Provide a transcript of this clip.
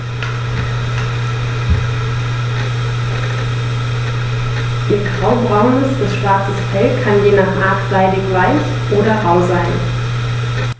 Ihr graubraunes bis schwarzes Fell kann je nach Art seidig-weich oder rau sein.